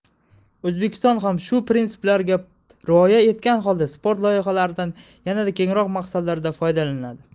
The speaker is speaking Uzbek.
o'zbekiston ham shu printsiplarga rioya etgan holda sport loyihalaridan yanada kengroq maqsadlarda foydalanadi